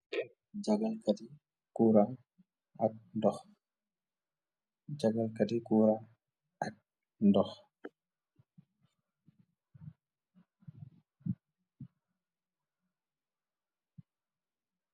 Jagal kati cuura, ak ndox